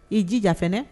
I jijaɛ